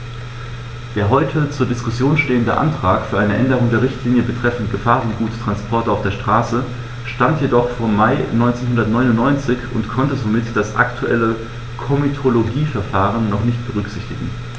Der heute zur Diskussion stehende Vorschlag für eine Änderung der Richtlinie betreffend Gefahrguttransporte auf der Straße stammt jedoch vom Mai 1999 und konnte somit das aktuelle Komitologieverfahren noch nicht berücksichtigen.